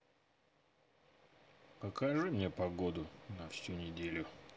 покажи мне погоду на всю неделю